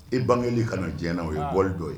I bangeli ka diɲɛ na o ye bɔli dɔ ye.